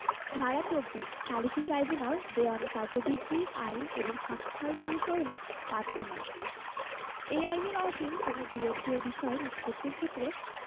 ধারা ২৪ সালিসী ট্রাইব্যুনাল দেওয়ানী কার্যবিধি আইন এবং সাক্ষ্য আইন অনুসরণে বাধ্য নয় এই আইনের অধীন কোন বিরোধীয় বিষয় নিষ্পত্তির ক্ষেত্রে